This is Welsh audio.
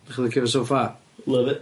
'Dach chi'n licio fo so far? Love it.